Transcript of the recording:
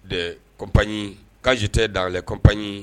Dɛ kop ɲi k'ji tɛ daɛlɛ kopye